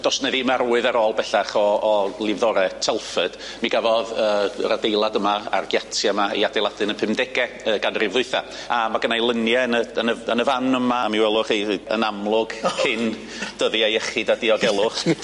Do's 'na ddim arwydd ar ôl bellach o o lifddore Telford mi gafodd yy yr adeilad yma a'r giatia yma eu adeiladu yn y y pumdege yy ganrif ddwytha a ma' gynna i lynie yn y yn y yn y fan yma a mi welwch chi yy yn amlwg cyn dyddia iechyd a diogelwch.